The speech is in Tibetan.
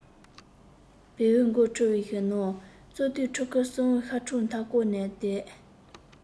བེའུ མགོ ཕྲུ བའི ནང བཙོ དུས ཕྲུ གུ གསུམ ཤ ཕྲུར མཐའ སྐོར ནས བསྡད